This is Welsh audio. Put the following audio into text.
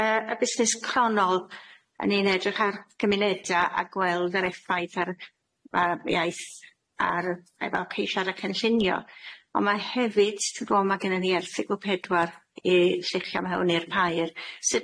yy y busnes cronol o'n i'n edrych ar gymunedia a gweld yr effaith ar yy a iaith ar yy efo ceisiad a cynllunio on' ma' hefyd t'wbo ma' gynnon ni erthygl pedwar i lluchio mewn i'r pair sud